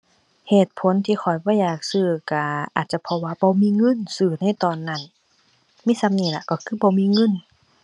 เหตุผลที่ข้อยบ่อยากซื้อก็อาจจะเพราะว่าบ่มีเงินซื้อในตอนนั้น มีส่ำนี้ล่ะก็คือบ่มีเงิน